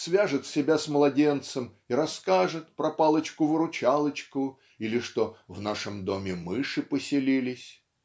свяжет себя с младенцем и расскажет про палочку-выручалочку или что "в нашем доме мыши поселились".